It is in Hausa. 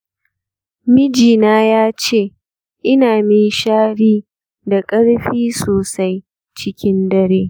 miji na yace ina minshari da ƙarfi sosai cikin dare.